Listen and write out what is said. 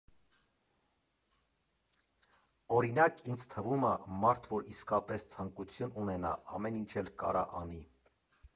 Օրինակ, ինձ թվում ա՝ մարդ, որ իսկապես ցանկություն ունենա, ամեն ինչ էլ կարա անի։